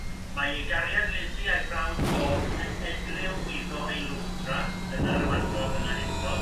Mae ei gariad Lizzie a'i frawd Bob yn edliw iddo ei lwfdra dyna'r ymadrodd yna eto